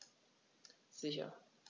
Sicher.